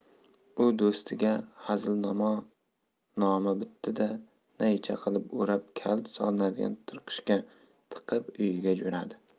u do'stiga hazilnamo noma bitdi da naycha qilib o'rab kalit solinadigan tirqishga tiqib uyiga jo'nadi